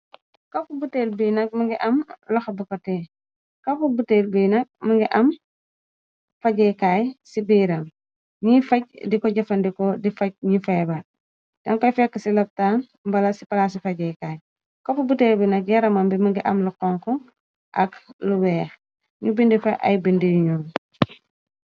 Kappu buteel bi nak mëngi am loxo bokkotee, kappu butel bi nak mëngi am fajeekaay ci biiram ñiy faj di ko jëfandiko di faj ñu feebar, dan koy fekk ci lopitaan mbala ci palaasi fajeekaay, koppu buteel bi nak yaramam bi mëngi am la xonxu ak lu weex, ñu bindi fay ay binde yu ñuul.